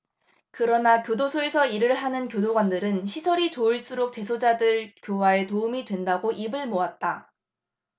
그러나 교도소에서 일을 하는 교도관들은 시설이 좋을수록 재소자들 교화에 도움이 된다고 입을 모았다